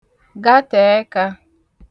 gatè ẹkā